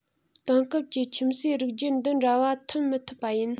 དེང སྐབས ཀྱི ཁྱིམ གསོས རིགས རྒྱུད འདི འདྲ བ ཐོན མི ཐུབ པ ཡིན